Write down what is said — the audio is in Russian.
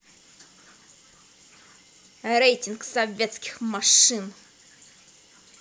рейтинг советских машин